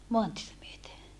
maantietä myöten